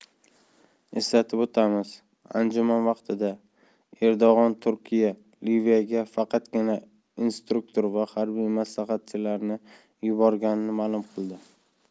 eslatib o'tamiz anjuman vaqtida erdo'g'on turkiya liviyaga faqatgina instruktor va harbiy maslahatchilarni yuborganini ma'lum qilgandi